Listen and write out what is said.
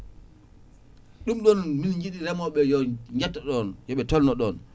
ɗum ɗon min jiiɗi reemoɓeɓe yo jetto ɗon yoɓe tolno ɗon